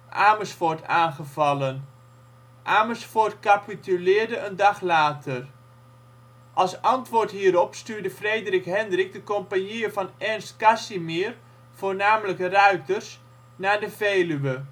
Amersfoort aangevallen. Amersfoort capituleerde een dag later. Als antwoord hierop stuurde Frederik Hendrik de compagnieën van Ernst Casimir, voornamelijk ruiters, naar de Veluwe